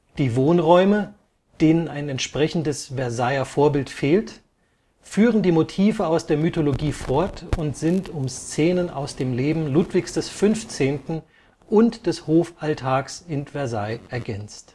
Die Wohnräume, denen ein entsprechendes Versailler Vorbild fehlt, führen die Motive aus der Mythologie fort und sind um Szenen aus dem Leben Ludwigs XV. und des Hofalltags in Versailles ergänzt